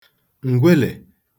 ǹgwelè